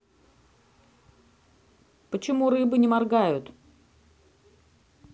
почему рыбы не моргают